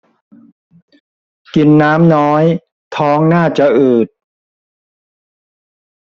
กินน้ำน้อยท้องน่าจะอืด